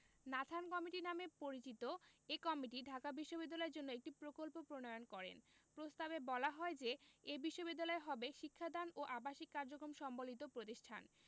Nathan committee নামে পরিচিত এ কমিটি ঢাকা বিশ্ববিদ্যালয়ের জন্য একটি প্রকল্প প্রণয়ন করেন প্রস্তাবে বলা হয় যে এ বিশ্ববিদ্যালয় হবে শিক্ষাদান ও আবাসিক কার্যক্রম সম্বলিত প্রতিষ্ঠান